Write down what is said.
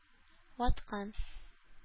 Ваткан